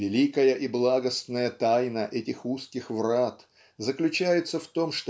великая и благостная тайна этих узких врат заключается в том